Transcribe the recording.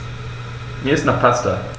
Mir ist nach Pasta.